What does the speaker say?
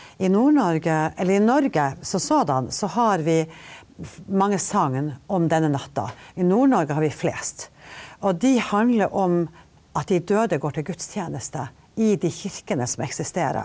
i Nord-Norge eller i Norge som sådan, så har vi mange sagn om denne natta, i Nord-Norge har vi flest, og de handler om at de døde går til gudstjeneste i de kirkene som eksisterer.